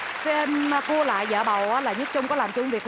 phim cua lại vợ bầu á là nhất trung có làm chung với